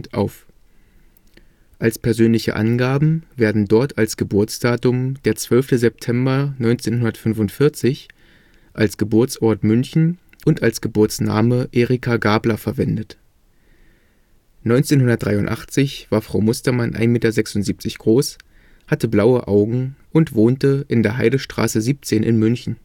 auf. Als persönliche Angaben werden dort als Geburtsdatum der 12. September 1945, als Geburtsort München und als Geburtsname Erika Gabler verwendet. 1983 war Frau Mustermann 1,76 Meter groß, hatte blaue Augen und wohnte in der Heidestraße 17 in München